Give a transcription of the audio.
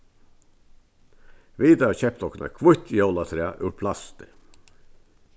vit hava keypt okkum eitt hvítt jólatræ úr plasti